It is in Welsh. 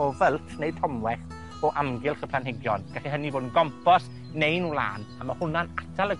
o fylts neu tomwell o amgylch y planhigion. Galle hynny bod yn gompost, neu'n wlân. A ma' hwnna'n atal y